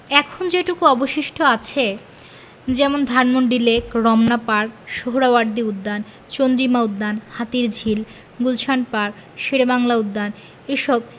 এখন যেটুকু অবশিষ্ট আছে যেমন ধানমন্ডি লেক রমনা পার্ক সোহ্রাওয়ার্দী উদ্যান চন্দ্রিমা উদ্যান হাতিরঝিল গুলশান পার্ক শেরেবাংলা উদ্যান এসব